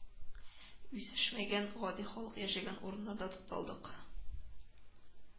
Үсешмәгән, гади халык яшәгән урыннарда тукталдык